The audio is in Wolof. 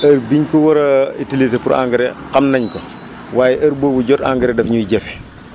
heure bi ñu ko war a utiliser pour engrais xam nañ ko waaye heure boobu jot engrais daf ñuy jafe